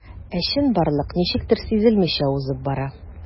Ә чынбарлык ничектер сизелмичә узып бара.